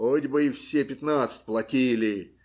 Хоть бы и все пятнадцать платили.